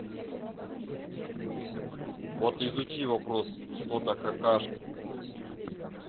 вот изучи вопрос что то какашка